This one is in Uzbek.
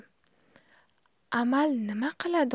amal nima qiladi